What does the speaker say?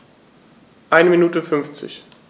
Eine Minute 50